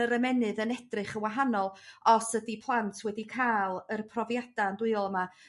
yr ymennydd yn edrych yn wahanol os ydi plant wedi ca'l yr profiada andwyol yma